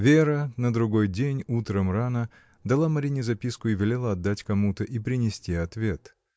Вера, на другой день утром рано, дала Марине записку и велела отдать кому-то и принести ответ.